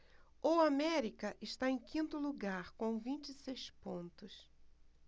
o américa está em quinto lugar com vinte e seis pontos